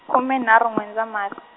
khume nharhu N'wendzamhala.